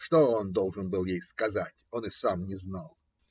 Что он должен был сказать ей, он и сам не знал.